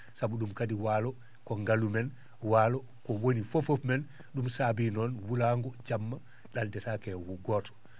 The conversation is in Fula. sabu ?um kadi waalo ko ngalu men waalo ko woni fof ?um saabi noon wulago jamma ?aldetake e gooto